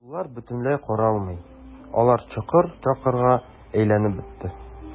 Юллар бөтенләй каралмый, алар чокыр-чакырга әйләнеп бетте.